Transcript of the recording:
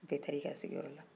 bɛɛ taara i ka sigiyɔrɔ la